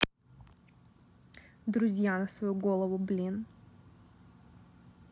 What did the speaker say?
друзья на свою голову блин